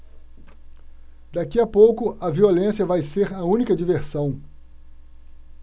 daqui a pouco a violência vai ser a única diversão